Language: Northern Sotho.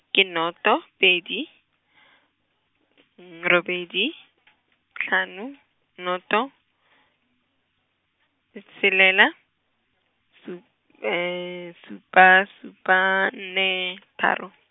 ke noto, pedi , robedi , hlano, noto, ts- tshelela, sup- , šupa, šupa, nne, tharo.